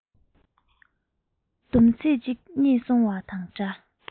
སྡོམ ཚིག ཅིག རྙེད སོང བ དང འདྲ བ